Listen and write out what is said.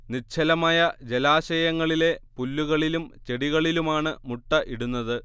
നിശ്ചലമായ ജലാശയങ്ങളിലെ പുല്ലുകളിലും ചെടികളിലുമാണ് മുട്ട ഇടുന്നത്